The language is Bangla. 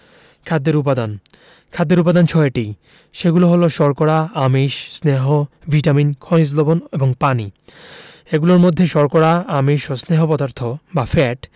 খাদ্যের উপাদান খাদ্যের উপাদান ছয়টি সেগুলো হলো শর্করা আমিষ স্নেহ ভিটামিন খনিজ লবন এবং পানি এগুলোর মধ্যে শর্করা আমিষ ও স্নেহ পদার্থ বা ফ্যাট